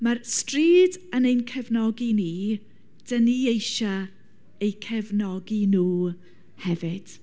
Mae'r stryd yn ein cefnogi ni. Dan ni eisiau eu cefnogi nhw hefyd.